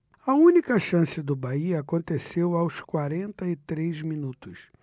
a única chance do bahia aconteceu aos quarenta e três minutos